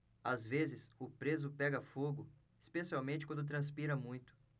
às vezes o preso pega fogo especialmente quando transpira muito